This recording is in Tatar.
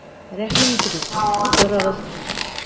Рәхим итегез, утырыгыз!